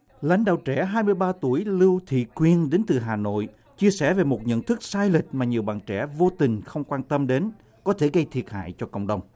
lãnh đạo trẻ hai mươi ba tuổi lưu thị quyên đến từ hà nội chia sẻ về một nhận thức sai lệch mà nhiều bạn trẻ vô tình không quan tâm đến có thể gây thiệt hại cho cộng đồng